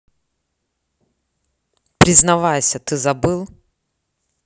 признавайся ты забыл